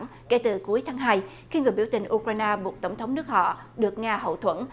kể từ cuối tháng hai khi người biểu tình ukraina buộc tổng thống nước họ được nga hậu thuẫn